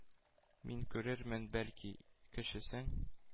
Мин күрермен, бәлки, кечесен?